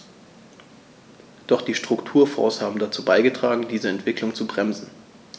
Doch die Strukturfonds haben dazu beigetragen, diese Entwicklung zu bremsen.